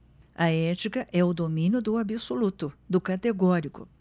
a ética é o domínio do absoluto do categórico